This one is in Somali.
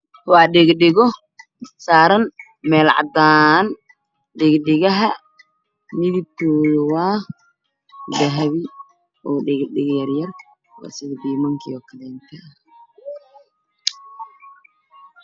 Dhaga dhago saaran meel cadaan Dhaga Dhagaha midab kooda waa dahabi waa dhaga dhago oo yar yar waa sida biinanki oo kale